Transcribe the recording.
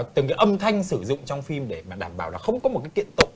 từng âm thanh sử dụng trong phim để mà đảm bảo là không có một cái kiện tụng